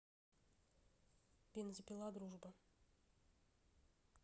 бензопила дружба